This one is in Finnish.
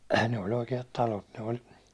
ne oli oikeat talot ne oli